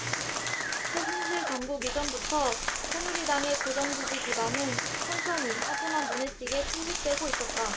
최순실 정국 이전부터 새누리당의 고정 지지 기반은 천천히 하지만 눈에 띄게 침식되고 있었다